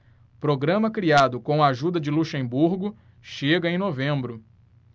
programa criado com a ajuda de luxemburgo chega em novembro